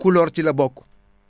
Kulore ci la bokk